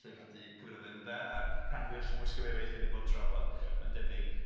Llyfr Du Caerfyrddin 'de, a rhan fwyaf o llawysgrifau eraill dan ni di bod yn trafod, mae'n debyg.